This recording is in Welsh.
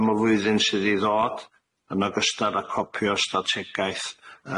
am y flwyddyn sydd i ddod yn ogystal â copi o strategaeth